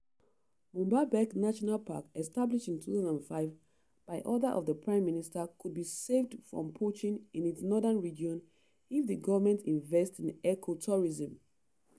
Boumba Bek National Park, established in 2005 by order of the Prime Minister, could be saved from poaching in its northern region if the government invests in ecotourism.